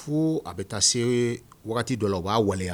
Fo a bɛ taa se ye wagati dɔ u b'a waleya